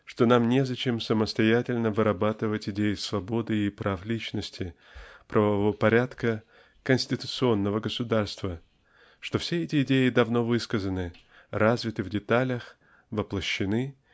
что нам незачем самостоятельно вырабатывать идеи свободы и прав личности правового порядка конституционного государства что все эти идеи давно высказаны развиты в деталях воплощены